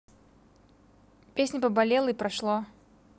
песня поболело и прошло